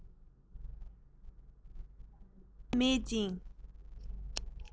མུ མཐའ མེད ཅིང